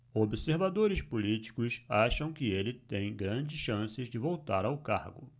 observadores políticos acham que ele tem grandes chances de voltar ao cargo